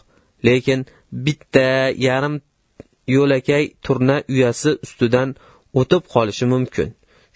lekin birda yarim yo'lakay turna uyasi ustidan o'tib qolishi mumkin